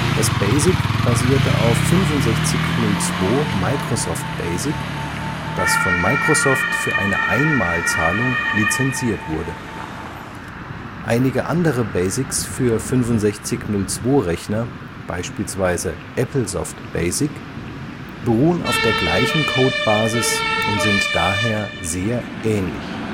Das Basic basierte auf 6502-Microsoft BASIC, das von Microsoft für eine Einmalzahlung lizenziert wurde. Einige andere BASICs für 6502-Rechner, beispielsweise Applesoft BASIC, beruhen auf der gleichen Codebasis und sind daher sehr ähnlich